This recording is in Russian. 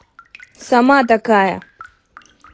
сама такая